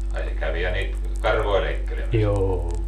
ai se kävi ja niitä karvoja leikkelemässä